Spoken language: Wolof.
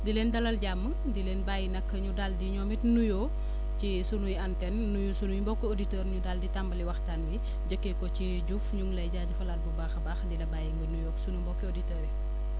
di leen dalal jàmm di leen bàyyi nag ñu daal di ñoom it nuyoo ci sunuy antennes nuyu sunuy mbokku auditeurs ñu daal di tàmbali waxtaan bi njëkkee ko ci Diouf ñu ngi lay jaajëfalaat bu baax a baax di la bàyyi nga nuyoo sunu mbokki auditeurs yi